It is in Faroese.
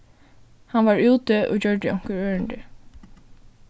hann var úti og gjørdi onkur ørindi